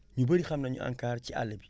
ñu bëri xam nañu ANCAR ci àll bi